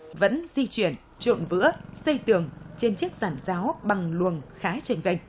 vẫn di chuyển trộn vữa xây tường trên chiếc giàn giáo bằng luồng khá chênh ghênh